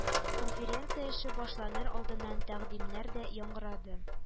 Конференция эше башланыр алдыннан тәкъдимнәр дә яңгырады